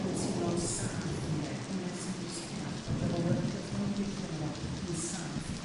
yn t'imlo'n saff ynde? Hwnne sy'n bwysicach bod yr awyrgylch ma' nhw'n gweithio 'no fo yn saff.